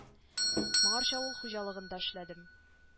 Моңарчы авыл ху алыгында эшләдем